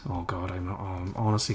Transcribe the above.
Oh god I'm not... I'm honestly...